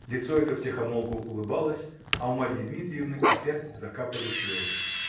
Лицо это втихомолку улыбалось, а у Марьи Дмитриевны опять закапали слезы.